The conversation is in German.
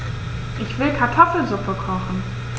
Ich will Kartoffelsuppe kochen.